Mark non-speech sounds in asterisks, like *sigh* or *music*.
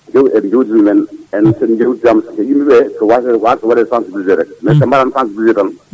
* eɓe jewtida e men andi sooɓe jewtidama yimɓeɓe ko wasde wasde waɗede sensibilisé tan *smacks lips* mais so mbaɗama sensibilisé tan